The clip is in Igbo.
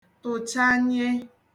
tụ̀chanye